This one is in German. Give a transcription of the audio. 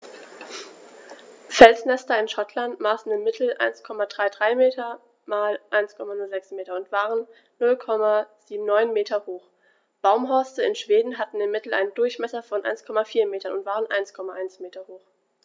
Felsnester in Schottland maßen im Mittel 1,33 m x 1,06 m und waren 0,79 m hoch, Baumhorste in Schweden hatten im Mittel einen Durchmesser von 1,4 m und waren 1,1 m hoch.